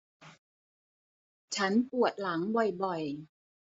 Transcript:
ฉันปวดหลังบ่อยบ่อย